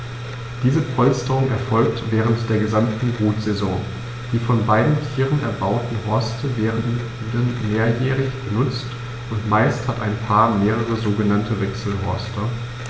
Diese Polsterung erfolgt während der gesamten Brutsaison. Die von beiden Tieren erbauten Horste werden mehrjährig benutzt, und meist hat ein Paar mehrere sogenannte Wechselhorste.